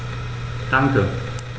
Danke.